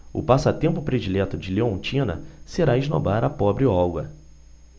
o passatempo predileto de leontina será esnobar a pobre olga